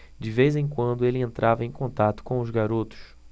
de vez em quando ele entrava em contato com os garotos